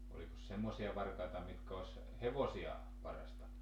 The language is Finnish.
olikos semmoisia varkaita mitkä olisi hevosia varastanut